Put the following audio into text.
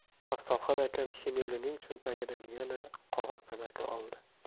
afzalxon akam shinelining cho'ntagidan yana qog'oz tamaki oldi